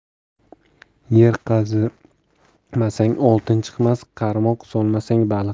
yer qazimasang oltin chiqmas qarmoq solmasang baliq